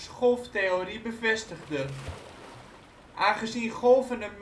golftheorie bevestigde. Aangezien golven